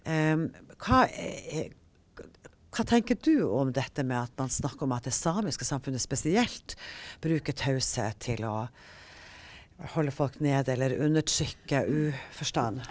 hva er hva tenker du om dette med at man snakker om at det samiske samfunnet spesielt bruker taushet til å holde folk nede eller undertrykke uforstand?